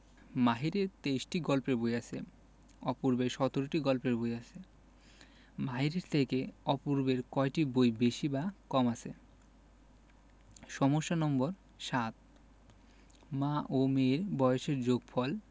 মাহিরের ২৩টি গল্পের বই আছে অপূর্বের ১৭টি গল্পের বই আছে মাহিরের থেকে অপূর্বের কয়টি বই বেশি বা কম আছে সমস্যা নম্বর ৭ মা ও মেয়ের বয়সের যোগফল